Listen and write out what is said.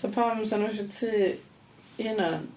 Fatha pam 'sen nhw eisiau tŷ eu hunan?